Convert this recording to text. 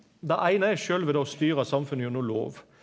det eine er sjølve det å styra samfunnet gjennom lov.